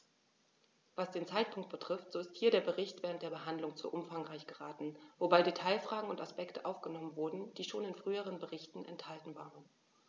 Was den Zeitpunkt betrifft, so ist hier der Bericht während der Behandlung zu umfangreich geraten, wobei Detailfragen und Aspekte aufgenommen wurden, die schon in früheren Berichten enthalten waren.